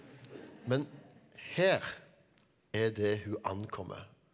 men her er det hun ankommer.